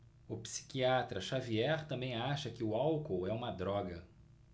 o psiquiatra dartiu xavier também acha que o álcool é uma droga